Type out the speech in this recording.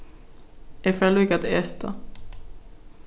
eg fari líka at eta